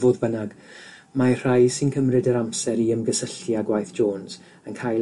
Fodd bynnag, mae rhai sy'n cymryd yr amser i ymgysylltu â gwaith Jones yn cael